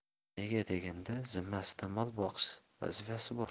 nega deganda zimmasida mol boqish vazifasi bor